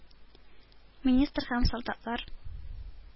Министр һәм солдатлар: